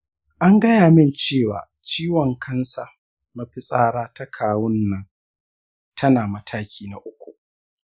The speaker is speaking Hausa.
an gaya min cewa ciwon kansa mafitsara ta kawun na tana mataki na uku.